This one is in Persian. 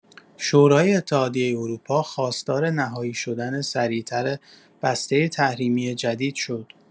شورای اتحادیه اروپا خواستار نهایی شدن سریع‌تر بسته تحریمی جدید شد.